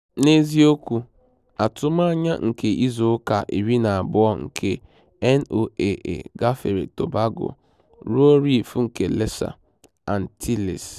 N'eziokwu, atụmanya nke izuụka iri na abụọ nke NOAA gafere Tobago ruo Reef nke Lesser Antilles.